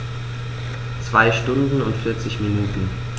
2 Stunden und 40 Minuten